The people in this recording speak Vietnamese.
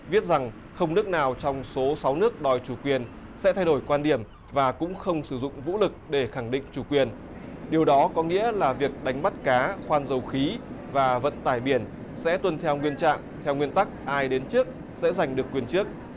viết rằng không nước nào trong số sáu nước đòi chủ quyền sẽ thay đổi quan điểm và cũng không sử dụng vũ lực để khẳng định chủ quyền điều đó có nghĩa là việc đánh bắt cá khoan dầu khí và vận tải biển sẽ tuân theo nguyên trạng theo nguyên tắc ai đến trước sẽ giành được quyền trước